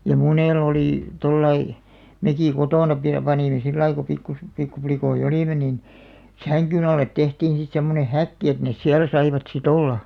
ja monella oli tuolla lailla mekin kotona - panimme sillä lailla kun - pikkuplikkoja olimme niin sängyn alle tehtiin sitten semmoinen häkki että ne siellä saivat sitten olla